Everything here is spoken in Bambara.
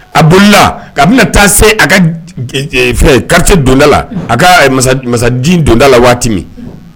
A bolila a bɛna taa se a ka kari donda la a ka donda la waati min